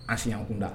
enseignant kunda